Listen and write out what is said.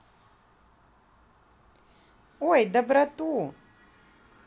ой доброту